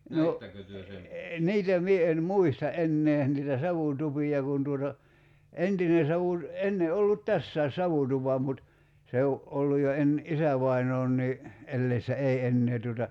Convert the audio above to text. no niitä minä en muista enää niitä savutupia kun tuota entinen - ennen ollut tässäkin savutupa mutta se on ollut jo - isävainaankin eläessä ei enää tuota